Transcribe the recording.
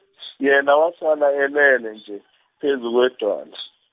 yena wasala elele nje phezu kwedwala.